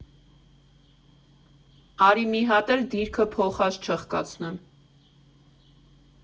֊ Արի մի հատ էլ դիրքը փոխած չըխկացնեմ…